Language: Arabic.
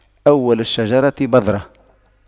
أول الشجرة بذرة